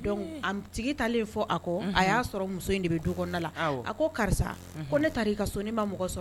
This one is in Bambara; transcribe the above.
Donc am tigi taalen fɔ a kɔ unhun a y'a sɔrɔ muso in de be du kɔɔna la awɔ a ko karisa unhun ko ne taar'i ka so ne ma mɔgɔ sɔrɔ